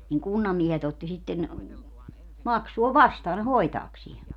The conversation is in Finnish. niin kunnanmiehet otti sitten maksua vastaan ne hoitaakseen